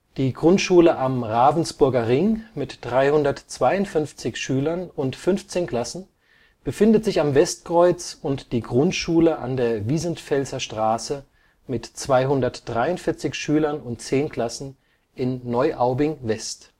Die Grundschule am Ravensburger Ring (352/15) befindet sich am Westkreuz und die Grundschule an der Wiesentfelser Straße (243/10) in Neuaubing-West